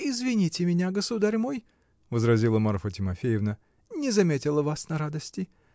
-- Извините меня, государь мой, -- возразила Марфа Тимофеевна, -- не заметила вас на радости.